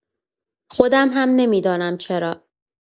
خودم هم نمی‌دانم چرا.